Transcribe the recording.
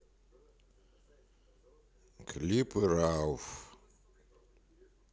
клипы рауф